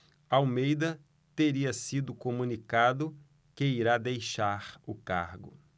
almeida teria sido comunicado que irá deixar o cargo